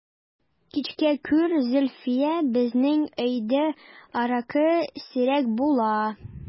Кичерә күр, Зөлфия, безнең өйдә аракы сирәк була...